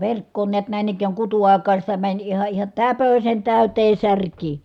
verkkoon näet näin ikään kutuaikaan sitä meni ihan ihan täpösen täyteen särkiä